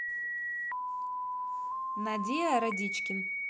nadia родичкин